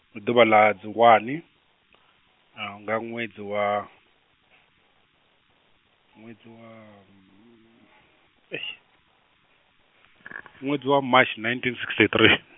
ndi ḓuvha ḽa dzi wane, nga ṅwedzi wa, ṅwedzi wa , ṅwedzi wa March ninteen sixty three.